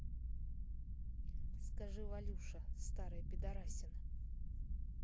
скажи валюша старая пидарасина